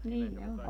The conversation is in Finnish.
niin ne on